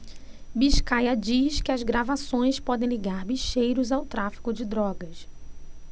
biscaia diz que gravações podem ligar bicheiros ao tráfico de drogas